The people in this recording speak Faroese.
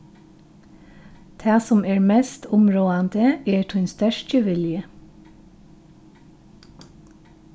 tað sum er mest umráðandi er tín sterki vilji